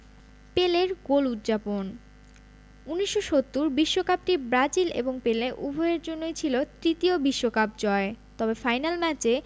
পেলের গোল উদ্ যাপন ১৯৭০ বিশ্বকাপটি ব্রাজিল এবং পেলে উভয়ের জন্যই ছিল তৃতীয় বিশ্বকাপ জয় তবে ফাইনাল ম্যাচে